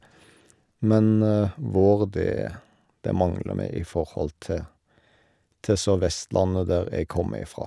Men vår, det det mangler vi i forhold til til Sør-Vestlandet, der jeg kommer ifra.